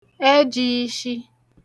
ẹjīishi